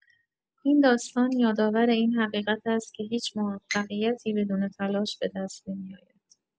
این داستان، یادآور این حقیقت است که هیچ موفقیتی بدون تلاش به دست نمی‌آید.